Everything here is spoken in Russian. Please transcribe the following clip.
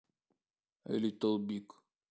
лилт биг